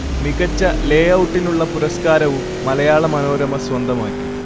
മികച്ച ലേ ഔട്ടിനുള്ള പുരസ്കാരവും മലയാള മനോരമ സ്വന്തമാക്കി